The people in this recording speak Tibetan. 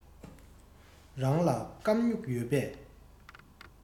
རང ལ སྐམ སྨྱུག ཡོད པས